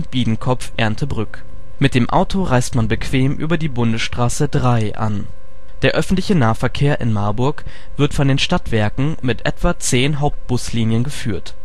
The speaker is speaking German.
Biedenkopf - Erndtebrück. Mit dem Auto reist man bequem über die Bundesstraße 3 an. Der öffentliche Nahverkehr in Marburg wird von den Stadtwerken mit etwa 10 Hauptbuslinien geführt